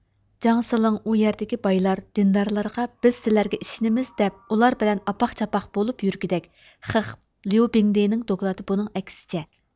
جاڭ سىلىڭ ئۇ يەردىكى بايلار دىندارلارغا بىز سىلەرگە ئىشىنىمىز دەپ ئۇلار بىلەن ئاپاق چاپاق بولۇپ يۈرگۈدەك خىخ ليۇ بىڭدېنىڭ دوكلاتى بۇنىڭ ئەكسىچە